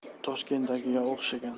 toshkentdagiga o'xshagan